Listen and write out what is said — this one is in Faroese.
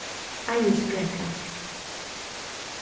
eiðisbrekka